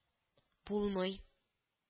– булмый